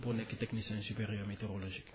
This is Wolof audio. pour nekk technicien supérieur météorologie